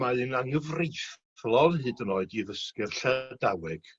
mae'n anghyfreithlon hyd yn oed i ddysgu'r Llydaweg